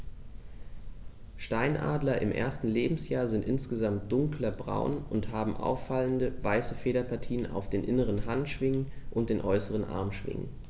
Steinadler im ersten Lebensjahr sind insgesamt dunkler braun und haben auffallende, weiße Federpartien auf den inneren Handschwingen und den äußeren Armschwingen.